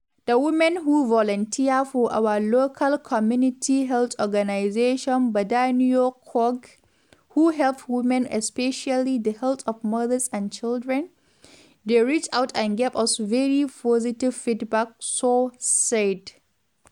“The women who volunteer for our local community health organization [“Badianou Guokh”] who help women, especially the health of mothers and children … they reached out and gave us very positive feedback,” Sow said.